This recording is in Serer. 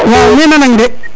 waa maxey nanang de